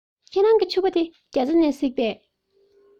ཁྱེད རང གི ཕྱུ པ དེ རྒྱ ཚ ནས གཟིགས པས